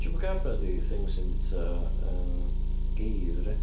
Chupacabra ydy things sy'n byta yym geifr ia.